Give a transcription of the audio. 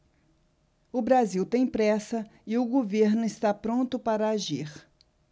o brasil tem pressa e o governo está pronto para agir